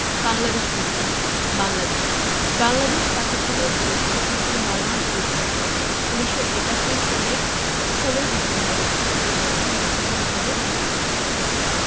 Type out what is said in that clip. বাংলাদেশপরিচিতি বাংলাদেশ বাংলাদেশ পাকিস্তানের বিরুদ্ধে দীর্ঘ নয় মাস যুদ্ধের পর ১৯৭১ সালের ১৬ ডিসেম্বর একটি স্বাধীন রাষ্ট্র হিসেবে আত্মপ্রকাশ করে